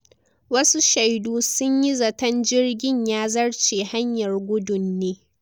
Wasu shaidu sun yi zaton jirgin ya zarce hanyar gudun ne.